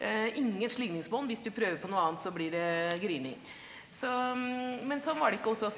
ingen slingringsmonn, hvis du prøver på noe annet så blir det grining så men sånn var det ikke hos oss.